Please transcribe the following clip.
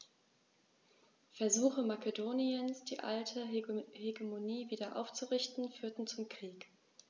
Versuche Makedoniens, die alte Hegemonie wieder aufzurichten, führten zum Krieg.